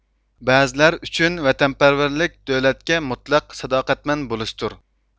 بەزىلەر ئۈچۈن ۋەتەنپەرۋەرلىك دۆلەتكە مۇتلەق ساداقەتمەن بولۇشتۇر